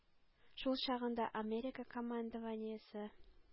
Шул чагында Америка командованиесе